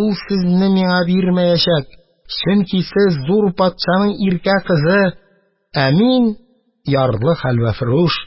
ул сезне миңа бирмәячәк, чөнки сез — зур патшаның иркә кызы, ә мин — ярлы хәлвәфрүш.